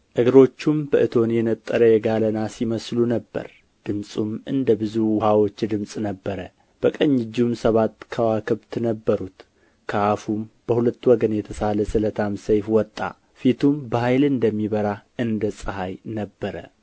እግሮቹም በእቶን የነጠረ የጋለ ናስ ይመስሉ ነበር ድምፁም እንደ ብዙ ውኃዎች ድምፅ ነበረ በቀኝ እጁም ሰባት ከዋክብት ነበሩት ከአፉም በሁለት ወገን የተሳለ ስለታም ሰይፍ ወጣ ፊቱም በኃይል እንደሚበራ እንደ ፀሐይ ነበረ